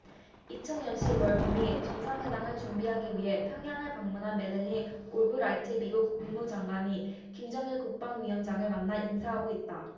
이천 년 시 월 북 미 정상회담을 준비하기 위해 평양을 방문한 매들린 올브라이트 미국 국무장관이 김정일 국방위원장을 만나 인사하고 있다